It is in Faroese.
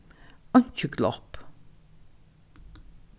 einki glopp